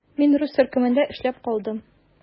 Мин рус төркемендә эшләп калдым.